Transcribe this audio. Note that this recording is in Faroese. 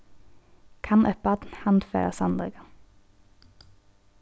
kann eitt barn handfara sannleikan